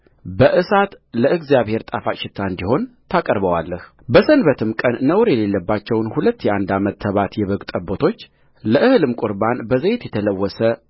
በእሳት ለእግዚአብሔር ጣፋጭ ሽታ እንዲሆን ታቀርበዋለህበሰንበትም ቀን ነውር የሌለባቸውን ሁለት የአንድ ዓመት ተባት የበግ ጠቦቶች ለእህልም ቍርባን በዘይት የተለወሰ